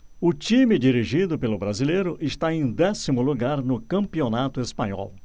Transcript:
o time dirigido pelo brasileiro está em décimo lugar no campeonato espanhol